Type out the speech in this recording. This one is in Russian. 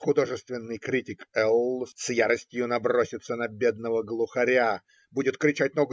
Художественный критик Л. с яростью набросится на бедного глухаря, будет кричать